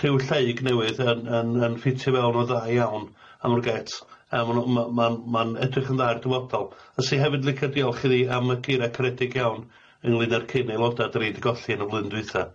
criw lleug newydd yn yn yn ffitio fewn yn dda iawn ma' nw'n gret a ma' nw ma' ma'n ma'n edrych yn dda i'r dyfodol a 'swn i hefyd licio diolch iddi am y gira caredig iawn ynglŷn â'r cyn euloda 'dyn ni 'di golli yn y flwyddyn dwitha.